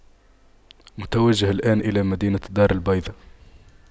متوجه الآن إلى مدينة دار البيضاء